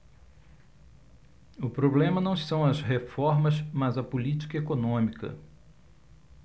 o problema não são as reformas mas a política econômica